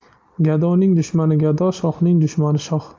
gadoning dushmani gado shohning dushmani shoh